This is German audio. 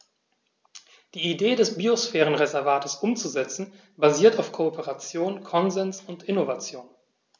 Die Idee des Biosphärenreservates umzusetzen, basiert auf Kooperation, Konsens und Innovation.